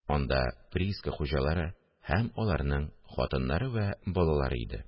Анда прииска хуҗалары һәм аларның хатыннары вә балалары иде